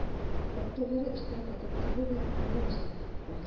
Әткәләре эштән кайтып керде дә әллә нишләп китте.